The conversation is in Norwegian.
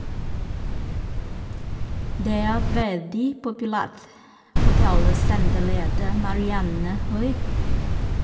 Det er veldig populært, forteller senterleder Marianne Høi.